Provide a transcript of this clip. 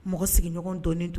Mɔgɔ sigiɲɔgɔn donɔni don